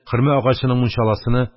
(хөрмә агачының мунчаласыны)